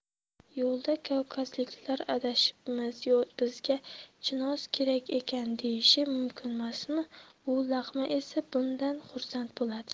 yo'lda kavkazliklar adashibmiz bizga chinoz kerak ekan deyishi mumkinmasmi u laqma esa bundan xursand bo'ladi